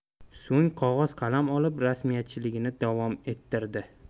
so'ng qog'oz qalam olib rasmiyatchiligini davom ettirdi